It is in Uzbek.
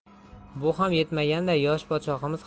bu ham yetmaganday yosh podshohimiz